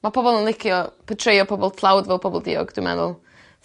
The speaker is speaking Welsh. Ma' pobol yn licio portreio pobol tlawd fel pobol diog dwi meddwl.